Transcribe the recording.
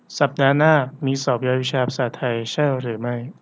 สัปดาห์หน้ามีสอบวิชาภาษาไทยใช่หรือไม่